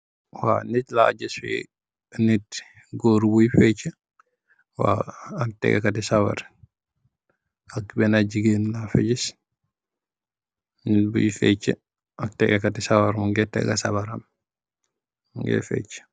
Nit la gis fi, gór bui fecca ak tegga kati sabarr.